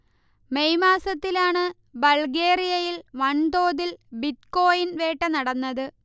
May മാസത്തിലാണ് ബൾഗേറിയയിൽ വൻതോതിൽ ബിറ്റ്കോയിൻ വേട്ട നടന്നത്